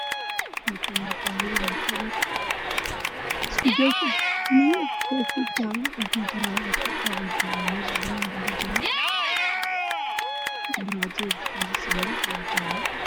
Halkaan waxaa ka muuqdo nin qabo isku joog buluug iyo koofi jaalo ah waxa uuna ka shaqaynayaa mashiin